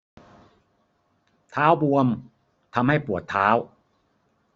เท้าบวมทำให้ปวดเท้า